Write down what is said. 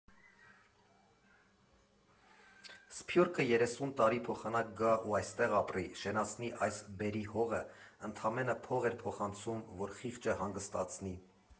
Սփյուռքը երեսուն տարի փոխանակ գա ու այստեղ ապրի, շենացնի այս բերրի հողը, ընդամենը փող էր փոխանցում, որ խիղճը հանգստացնի։